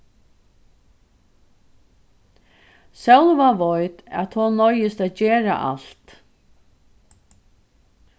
sólvá veit at hon noyðist at gera alt